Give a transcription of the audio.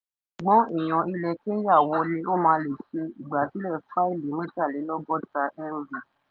Ṣùgbọ́n èèyàn ilẹ̀ Kenya wo ni ó máa lè ṣe ìgbàsílẹ̀ fáìlì 63 MB?